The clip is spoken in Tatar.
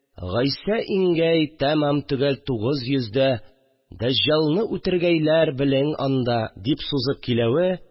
Гайсә ингәй тәмам төгәл тугыз йөздә, Дәҗҗалны үтергәйләр белең анда... – дип сузып көйләве